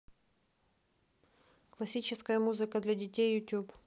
классическая музыка для детей ютуб